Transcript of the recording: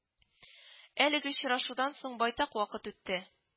Әлеге очрашудан соң байтак вакыт үтте